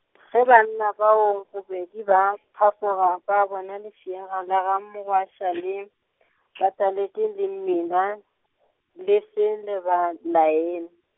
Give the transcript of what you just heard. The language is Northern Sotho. ge banna bao bobedi ba phafoga ba bona lefšega la ga Mogwaša le , bataletše le mmila, le se le ba laele.